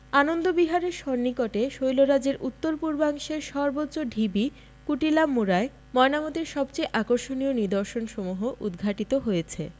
আনন্দ বিহার এর সন্নিকটে শৈলরাজির উত্তর পূর্বাংশের সর্বোচ্চ ঢিবি কুটিলা মুড়ায় ময়নামতীর সবচেয়ে আকর্ষণীয় নিদর্শনসমূহ উদ্ঘাটিত হয়েছে